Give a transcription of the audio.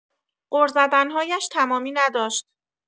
غر زدن‌هایش تمامی نداشت.